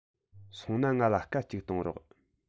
སོང ན ང ལ སྐད ཅིག གཏོང རོགས